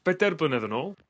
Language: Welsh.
bedeir blynedd yn ôl